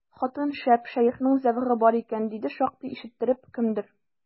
Хатын шәп, шәехнең зәвыгы бар икән, диде шактый ишеттереп кемдер.